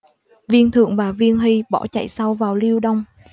viên thượng và viên hy bỏ chạy sâu vào liêu đông